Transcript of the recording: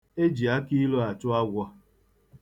E ji akiilu achụ agwọ.